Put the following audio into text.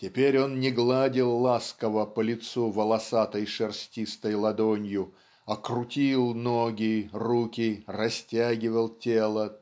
теперь он не гладил ласково по лицу волосатой шерстистой ладонью а крутил ноги руки растягивал тело